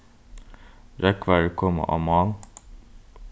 rógvarar koma á mál